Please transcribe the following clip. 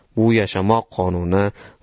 bu yashamoq qonuni